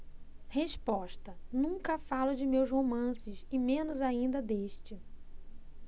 resposta nunca falo de meus romances e menos ainda deste